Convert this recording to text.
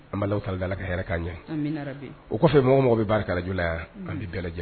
An b' tadala ka hɛrɛ ka ɲɛ o kɔfɛ mɔgɔw mɔgɔw bɛ barika kalaj yan an bɛ bɛɛ